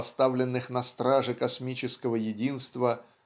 поставленных на страже космического единства